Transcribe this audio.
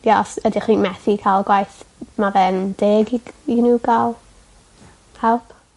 ie os ydych chi'n methu ca'l gwaith ma' fe'n deg i c- i n'w ga'l help.